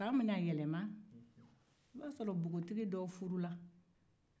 san mmana yɛlɛma o b'a sɔrɔ npogotigi dɔw furula